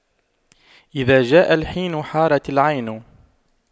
إذا جاء الحين حارت العين